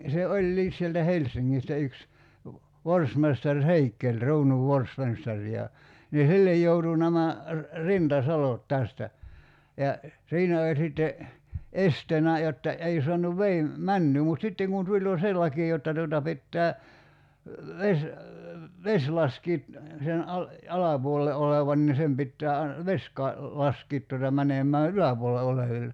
se olikin sieltä Helsingistä yksi forstmestari Heikel kruunun forstmestari ja niin sille joutui nämä rintasalot tästä ja siinä oli sitten esteenä jotta ei saanut veden menoa mutta sitten kun tuli jo se laki jotta tuota pitää vesi vesi laskea sen - alapuolella olevan niin sen pitää - vesi - laskea tuota menemään yläpuolella oleville